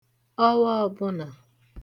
ọwa ọbụnà